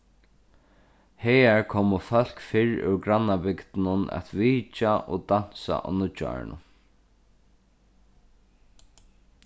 hagar komu fólk fyrr úr grannabygdunum at vitja og dansa á nýggjárinum